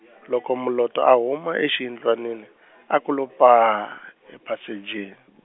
loko Moloto a huma exiyindlwanini a ku lo paa, ephasejini.